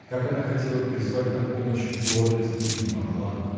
как она хотела призвать на помощь гордость и не могла